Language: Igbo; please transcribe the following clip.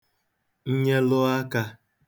nnyelụ akā